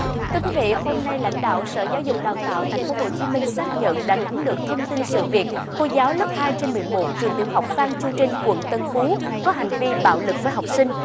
tôi quý vị hôm nay lãnh đạo sở giáo dục đào tạo thành phố hồ chí minh xác nhận đã nắm được thông tin sự việc cô giáo lớp hai trên mười một trường tiểu học phan chu trinh quận tân phú có hành vi bạo lực với học sinh